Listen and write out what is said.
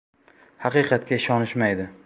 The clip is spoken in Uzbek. haqiqatga ishonishmaydi